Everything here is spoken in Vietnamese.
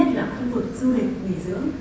dưỡng